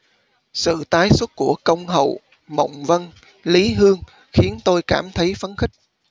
sự tái xuất của công hậu mộng vân lý hương khiến tôi cảm thấy phấn khích